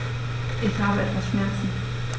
Ich habe etwas Schmerzen.